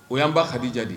O y'an ba Kadija de ye.